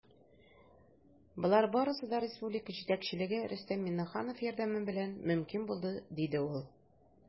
Болар барысы да республика җитәкчелеге, Рөстәм Миңнеханов, ярдәме белән мөмкин булды, - диде ул.